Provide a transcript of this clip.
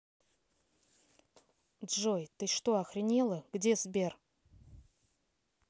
джой ты чего охренела где сбер